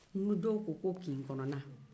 ni dɔw ko ko kinkɔnɔna